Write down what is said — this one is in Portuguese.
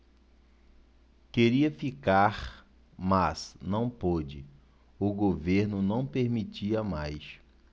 queria ficar mas não pude o governo não permitia mais